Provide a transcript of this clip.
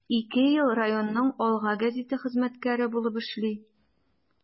Ике ел районның “Алга” гәзите хезмәткәре булып эшли.